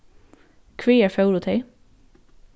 hvagar fóru tey